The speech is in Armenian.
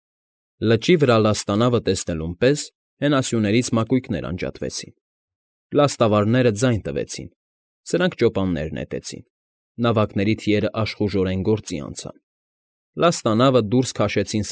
Լճի վրա լաստանավը տեսնելուն պես հենասյուներից մակույնկներ անջատվեցին, լաստավարներին ձայն տվեցին, սրանք ճոպանները նետեցին, նավակների թիերն աշխուժորեն գործի անցան, լաստանավը դուրս քաշեցին։